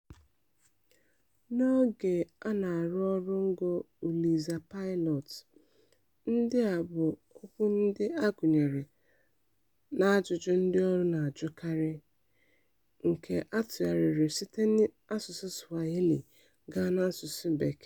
N'oge a na-arụ ọrụ ngo Uliza's pilot, ndị a bụ okwu ndị agụnyere n'ajụjụ ndị ọrụ na-ajụkarị (nke atụgharịrị site n'asụsụ Swahili gaa n'asụsụ Bekee).